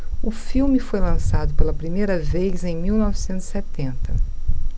o filme foi lançado pela primeira vez em mil novecentos e setenta